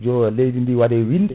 yo leydi ndi waɗe winnde